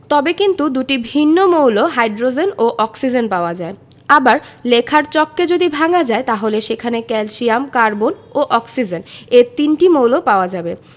তবে কিন্তু দুটি ভিন্ন মৌল হাইড্রোজেন ও অক্সিজেন পাওয়া যায় আবার লেখার চককে যদি ভাঙা যায় তাহলে সেখানে ক্যালসিয়াম কার্বন ও অক্সিজেন এ তিনটি মৌল পাওয়া যাবে